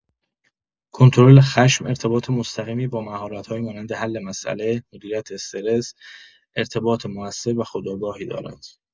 کنترل خشم ارتباط مستقیمی با مهارت‌هایی مانند حل مسئله، مدیریت استرس، ارتباط مؤثر و خودآگاهی دارد.